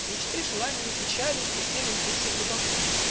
Мечты, желания, печали Теснились в душу глубоко.